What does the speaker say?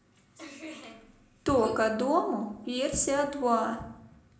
тока дому версия два